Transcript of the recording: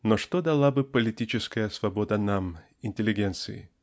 Но что дала бы политическая свобода нам, интеллигенции?